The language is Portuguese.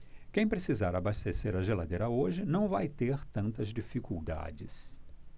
quem precisar abastecer a geladeira hoje não vai ter tantas dificuldades